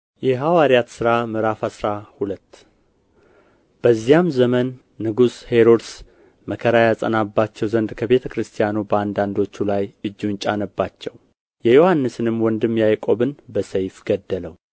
የሐዋርያት ሥራ ምዕራፍ አስራ ሁለት በዚያም ዘመን ንጉሡ ሄሮድስ መከራ ያጸናባቸው ዘንድ ከቤተ ክርስቲያኑ በአንዳንዶቹ ላይ እጁን ጫነባቸው የዮሐንስንም ወንድም ያዕቆብን በሰይፍ ገደለው